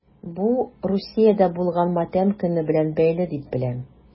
Бу Русиядә булган матәм көне белән бәйле дип беләм...